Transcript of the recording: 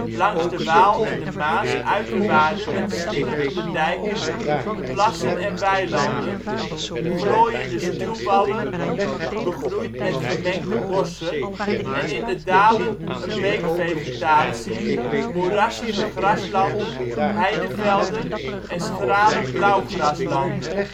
langs de Waal en de Maas uiterwaarden met slingerende dijken, plassen en weilanden, glooiende stuwwallen begroeid met gemengde bossen en in de dalen een beekvegetatie, moerassige graslanden, heidevelden en schrale blauwgraslanden